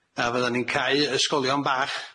A fyddan ni'n cau ysgolion bach